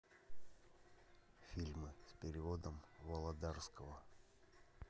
фильмы с переводом валадарского